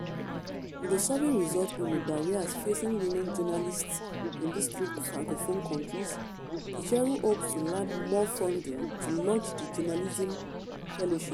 With the survey results on the barriers facing women journalists in these three francophone countries, Gicheru hopes to land more funding to launch the journalism fellowship.